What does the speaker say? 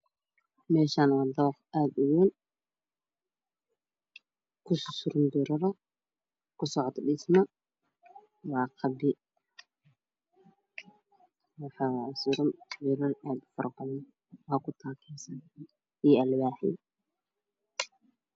Meeshaan waa dabaq aad uwayn kususuran biro ku socoto dhismo waa qabyo waxaa suran tiirar aad ufaro badan oo ku taakaysan iyo alwaaxyo